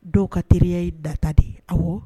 Dɔw ka teriya ye nata de ye, awɔ.